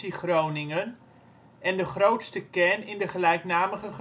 Groningen en de grootste kern in de gelijknamige